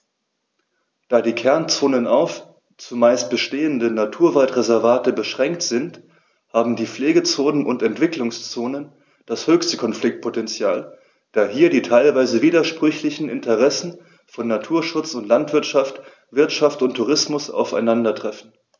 Da die Kernzonen auf – zumeist bestehende – Naturwaldreservate beschränkt sind, haben die Pflegezonen und Entwicklungszonen das höchste Konfliktpotential, da hier die teilweise widersprüchlichen Interessen von Naturschutz und Landwirtschaft, Wirtschaft und Tourismus aufeinandertreffen.